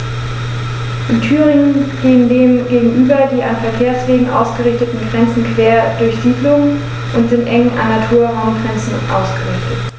In Thüringen gehen dem gegenüber die an Verkehrswegen ausgerichteten Grenzen quer durch Siedlungen und sind eng an Naturraumgrenzen ausgerichtet.